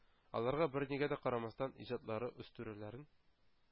Аларга, бернигә дә карамастан, иҗатларын үстерүләрен,